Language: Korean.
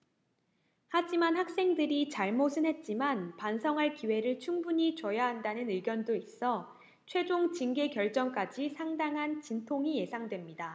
하지만 학생들이 잘못은 했지만 반성할 기회를 충분히 줘야 한다는 의견도 있어 최종 징계 결정까지 상당한 진통이 예상됩니다